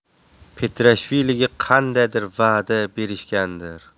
petrashviliga qandaydir va'da berishgandir